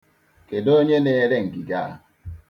Kedụ onye na-ere ngige a?